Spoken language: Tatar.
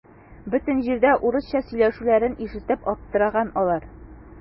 Бөтен җирдә урысча сөйләшүләрен ишетеп аптыраган алар.